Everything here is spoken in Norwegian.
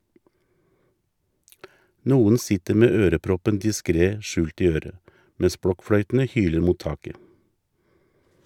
Noen sitter med øreproppen diskret skjult i øret, mens blokkfløytene hyler mot taket.